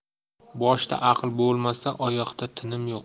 boshda aql bo'lmasa oyoqda tinim yo'q